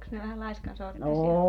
onkos ne vähän laiskan sorttisia